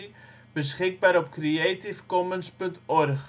46 ' NB, 5° 49 ' OL